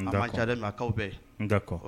A man caa dɛɛ nka a cas bɛ yen.